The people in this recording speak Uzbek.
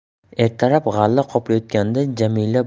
ertalab g'alla qoplayotganda jamila